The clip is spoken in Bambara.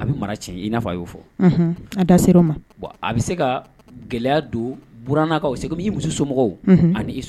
a be mara tiɲɛ i na fɔ q yo fɔ Unhun. A da sero ma. Wa a be se ka gɛlɛya don buran na kaw c'est comme i muso somɔgɔw ani i so